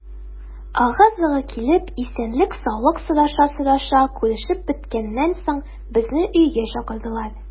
Ыгы-зыгы килеп, исәнлек-саулык сораша-сораша күрешеп беткәннән соң, безне өйгә чакырдылар.